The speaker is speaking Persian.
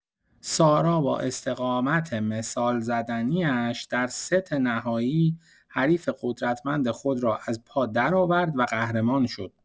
سارا با استقامت مثال‌زدنی‌اش در ست نهایی، حریف قدرتمند خود را از پا درآورد و قهرمان شد.